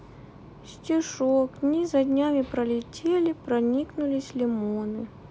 стишок дни за днями пролетели проникнулись лимоны